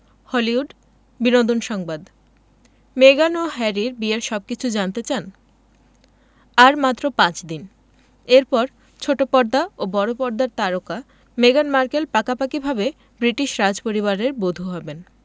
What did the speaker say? Hollywood বিনোদন সংবাদ মেগান ও হ্যারির বিয়ের সবকিছু জানতে চান আর মাত্র পাঁচ দিন এরপর ছোট পর্দা ও বড় পর্দার তারকা মেগান মার্কেল পাকাপাকিভাবে ব্রিটিশ রাজপরিবারের বধূ হবেন